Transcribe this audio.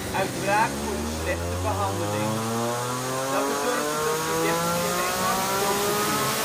uit wraak voor de slechte behandeling. Dat bezorgde Dostojevski een enorm schuldgevoel